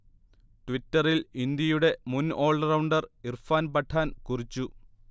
ട്വിറ്ററിൽ ഇന്ത്യയുടെ മുൻ ഓൾറൗണ്ടർ ഇർഫാൻ പഠാൻ കുറിച്ചു